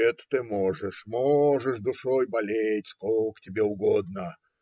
- Это ты можешь; можешь душою болеть, сколько тебе угодно.